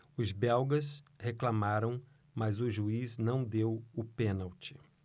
os belgas reclamaram mas o juiz não deu o pênalti